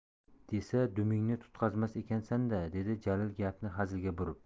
desa dumingni tutqazmas ekansan da a dedi jalil gapni hazilga burib